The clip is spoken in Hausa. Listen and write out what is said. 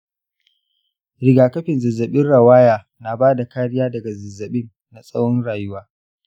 rigakafin zazzabin rawaya na ba da kariya daga zazzabin na tsawon rayuwa.